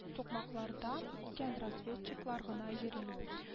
Сукмаклардан үткен разведчиклар гына йөри